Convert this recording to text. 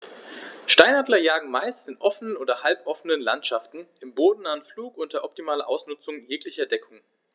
Steinadler jagen meist in offenen oder halboffenen Landschaften im bodennahen Flug unter optimaler Ausnutzung jeglicher Deckung.